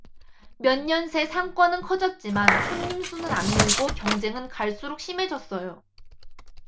몇 년 새 상권은 커졌지만 손님 수는 안 늘고 경쟁은 갈수록 심해졌어요